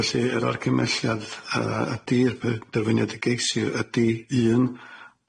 Felly yr argymellydd yy ydi'r pe- derfyniad y geisir ydi un,